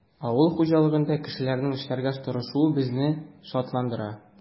Авыл хуҗалыгында кешеләрнең эшләргә тырышуы безне шатландыра.